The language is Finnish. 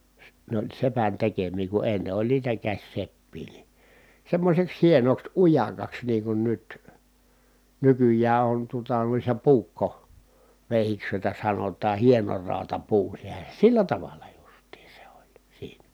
se ne oli sepän tekemiä kun ennen oli niitä käsiseppiä niin semmoiseksi hienoksi ujakaksi niin kuin nyt nykyään on tuota noissa - puukkoveitsiksi joita sanotaan hienorautapuu sehän sillä tavalla justiin se oli siinä